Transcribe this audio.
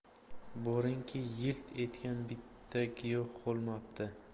boringki yilt etgan bitta giyoh qolmabdi